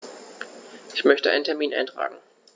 Ich möchte einen Termin eintragen.